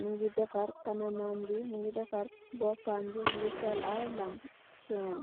mungi dafar kanamam bi, mungi dafar bopam bi, mungi sol aye lam, cheen.